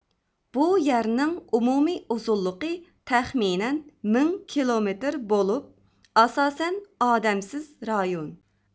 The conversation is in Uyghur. بۇ يەرنىڭ ئومۇمىي ئۇزۇنلۇقى تەخمىنەن مىڭ كىلومېتىر بولۇپ ئاساسەن ئادەمسىز رايون